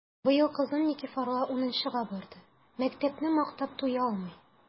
Быел кызым Никифарга унынчыга барды— мәктәпне мактап туялмый!